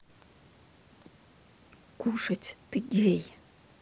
кушать ты гей